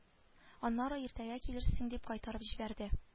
Аннары иртәгә килерсең дип кайтарып җибәрде